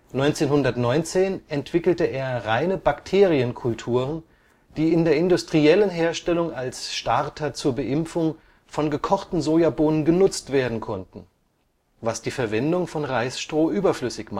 1919 entwickelte er reine Bakterienkulturen, die in der industriellen Herstellung als Starter zur Beimpfung von gekochten Sojabohnen genutzt werden konnten, was die Verwendung von Reisstroh überflüssig